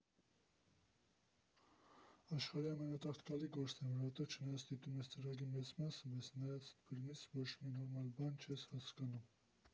Աշխարհի ամենատաղտկալի գործն է, որովհետև չնայած դիտում ես ծրագրի մեծ մասը, բայց նայածդ ֆիլմից ոչ մի նորմալ բան չես հասկանում։